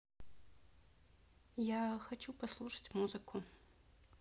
я хочу послушать музыку